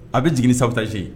A bɛ jigin ni sabotage ye